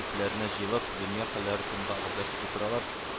Төпләренә җыелып, дөнья хәлләре турында гәпләшеп утыралар